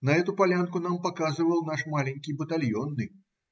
На эту полянку нам показывал наш маленький батальонный.